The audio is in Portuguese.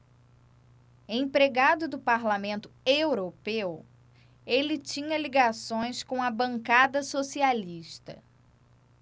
empregado do parlamento europeu ele tinha ligações com a bancada socialista